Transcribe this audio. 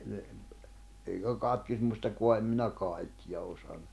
- eikä katkismustakaan en minä kaikkea osannut